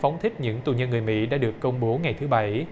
phóng thích những tù nhân người mỹ đã được công bố ngày thứ bảy